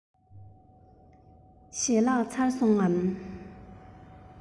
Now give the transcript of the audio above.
བྱས ན གང བླུགས དང